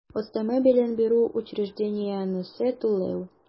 Өстәмә белем бирү учреждениесенә түләү